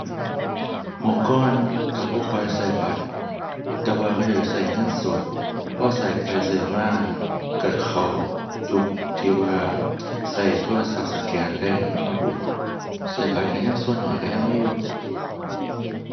เมื่อก่อนก็บ่ค่อยก็บัตร แต่ว่าเขาเจ้าสิก็เงินสด พอก็ไปก็มาก็เข้ายุคที่ว่าก็โทรศัพท์สแกนเลย มันมาบูม ก็บัตรก็ยังส่วนน้อยก็ยังมีอยู่